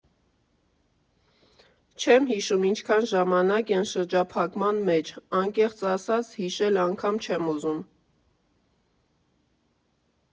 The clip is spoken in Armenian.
Չեմ հիշում՝ ինչքան ժամանակ են շրջափակման մեջ, անկեղծ ասած՝ հիշել անգամ չեմ ուզում…